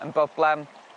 Yn broblam